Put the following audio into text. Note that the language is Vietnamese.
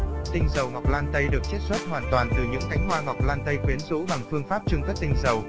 tinh dầu ngọc lan tây được chiết xuất hoàn toàn từ những cánh hoa ngọc lan tây quyến rũ bằng phương pháp chưng cất tinh dầu